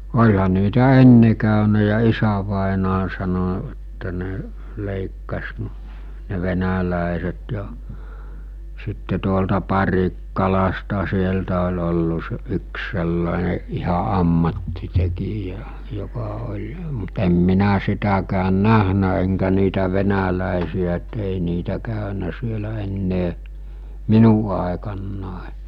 olihan niitä ennen käynyt ja isävainaja sanoi että ne leikkasi - ne venäläiset ja sitten tuolta Parikkalasta sieltä oli ollut - yksi sellainen ihan ammattitekijä joka oli mutta en minä sitäkään nähnyt enkä niitä venäläisiä että ei niitä käynyt siellä enää minun aikana